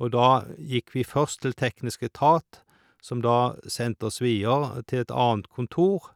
Og da gikk vi først til teknisk etat, som da sendte oss videre til et annet kontor,